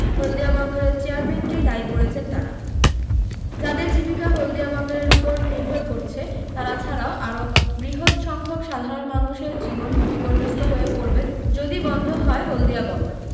হলদিয়া বন্দরের চেয়ারম্যানকেই দায়ী করেছেন তাঁরা যাঁদের জীবিকা হলদিয়া বন্দরের উপরে নির্ভর করছে তাঁরা ছাড়াও আরও বৃহত সংখ্যক সাধারণ মানুষের জীবন বিপর্যস্ত হয়ে পড়বে যদি বন্ধ হয়ে হলদিয়া বন্দর